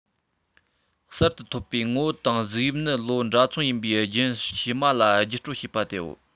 གསར དུ ཐོབ པའི ངོ བོ དང གཟུགས དབྱིབས ནི ལོ འདྲ མཚུངས ཡིན པའི རྒྱུད ཕྱི མ ལ བརྒྱུད སྤྲོད བྱེད པ དེའོ